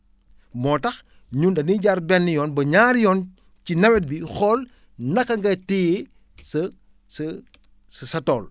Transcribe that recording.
moo tax ñun dañuy jaar benn yoon ba ñaari yoon ci nawet bi xool naka nga téyee sa sa sa sa tool